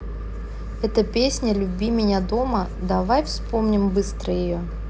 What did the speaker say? эта песня люби меня дома давай вспомним быстро его